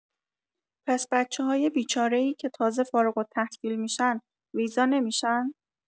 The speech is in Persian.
پس بچه‌های بیچاره‌ای که تازه فارغ‌التحصیل می‌شن ویزا نمی‌شن؟